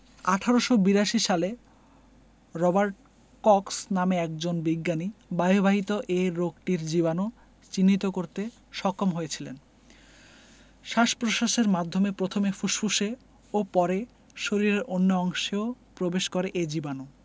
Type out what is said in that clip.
১৮৮২ সালে Robert Cox নামে একজন বিজ্ঞানী বায়ুবাহিত এ রোগটির জীবাণু চিহ্নিত করতে সক্ষম হয়েছিলেন শ্বাস প্রশ্বাসের মাধ্যমে প্রথমে ফুসফুসে ও পরে শরীরের অন্য অংশেও প্রবেশ করে এ জীবাণু